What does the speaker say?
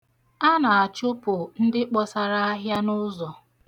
A na-achụpụ ndị kpọsara ahịa n'ụzọ.